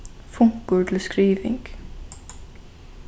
funkur til skriving